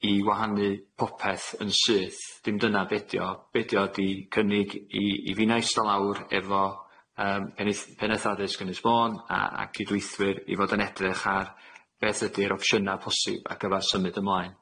i wahanu popeth yn syth dim dyna be di o, be 'di o ydi cynnig i i finna ista lawr efo yym penyth- pennaeth addysg Ynys Môn a a cydweithwyr i fod yn edrych ar beth ydi'r opsiyna posib ar gyfar symud ymlaen.